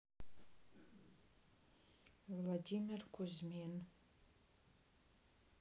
владимир кузьмин